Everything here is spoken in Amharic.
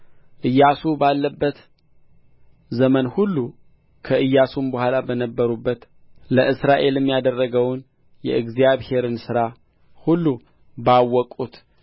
ኢያሱ ባለበት ዘመን ሁሉ ከኢያሱም በኋላ በነበሩት ለእስራኤልም ያደረገውን የእግዚአብሔርን ሥራ ሁሉ ባወቁት